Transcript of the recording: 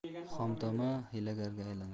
xomtama hiylagarga aylanar